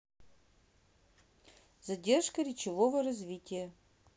задержка речевого развития